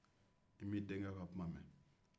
i m'i denkɛ ka kuma mɛn